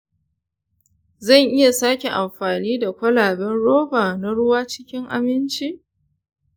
zan iya sake amfani da kwalaben roba na ruwa cikin aminci?